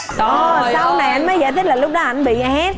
sau này anh mới giải thích là lúc đó ảnh bị ép